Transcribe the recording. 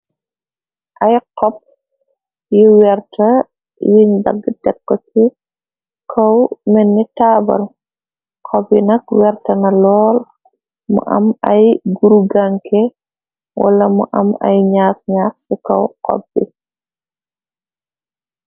ay xop yi werta yuñ dagg tekko ci kow menni taabar xobinak wertana lool mu am ay guruganke wala mu am ay naaf naax ci kaw xop bi